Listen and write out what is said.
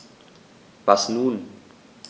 Was nun?